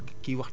ok